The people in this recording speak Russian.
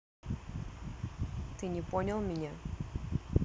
ты не понял меня